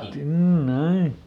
kyllä minä aina